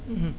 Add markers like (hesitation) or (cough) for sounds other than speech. (hesitation) (hesitation)